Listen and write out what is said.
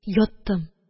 Яттым